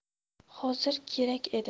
hozir kerak edi